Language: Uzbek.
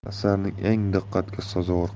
asarning eng diqqatga sazovor